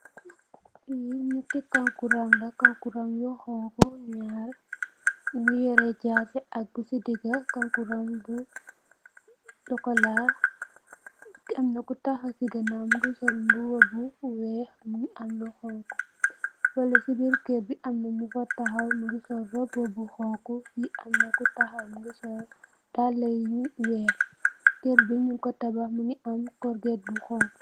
Lii ñatti kaangkurang la, kaangkurang yi, ñarri, ñu ngi you're jaasi, ñu si diggë,.. sokolaa, am na ku sol mbuba, bu weex, mu ngi am lu xoñxu, falle si biir kër gi am na ñu fa, taxaw, ñu ngi sol roobu bu xoñxu, fii am na ku taxaw, mu ngi sol, dallë yu weex, kër gi ñung ko tabax, mu ngi am korget bu xoñxu.